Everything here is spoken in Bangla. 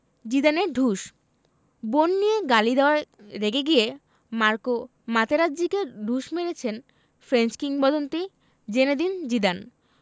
জিদানের ঢুস বোন নিয়ে গালি দেওয়ায় রেগে গিয়ে মার্কো মাতেরাজ্জিকে ঢুস মেরেছেন ফ্রেঞ্চ কিংবদন্তি জিনেদিন জিদান